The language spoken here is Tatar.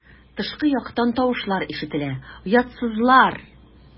Тышкы яктан тавышлар ишетелә: "Оятсызлар!"